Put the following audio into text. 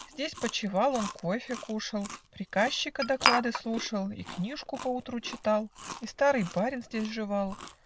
Здесь почивал он, кофей кушал, Приказчика доклады слушал И книжку поутру читал. И старый барин здесь живал